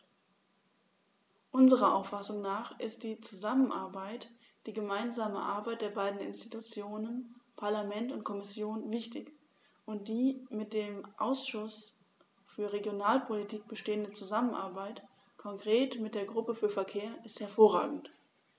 Unserer Auffassung nach ist die Zusammenarbeit, die gemeinsame Arbeit der beiden Institutionen - Parlament und Kommission - wichtig, und die mit dem Ausschuss für Regionalpolitik bestehende Zusammenarbeit, konkret mit der Gruppe für Verkehr, ist hervorragend.